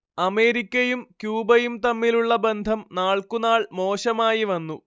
അമേരിക്കയും ക്യൂബയും തമ്മിലുള്ള ബന്ധം നാൾക്കുനാൾ മോശമായി വന്നു